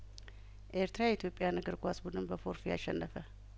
ኤርትራ የኢትዮጵያን እግር ኳስ ቡድን በፎርፌ አሸነፈ